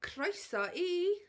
Croeso i...